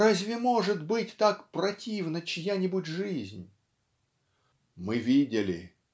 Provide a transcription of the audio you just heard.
Разве может быть так противна чья-нибудь жизнь?" Мы видели